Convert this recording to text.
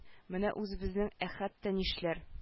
Менә үзебезнең әхәт тә нишләр